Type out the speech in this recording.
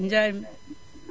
Ndiaye